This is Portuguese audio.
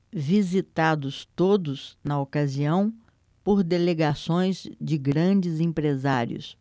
visitados todos na ocasião por delegações de grandes empresários